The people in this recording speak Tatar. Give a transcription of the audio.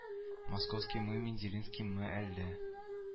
Московский мы мензелинский мы әллә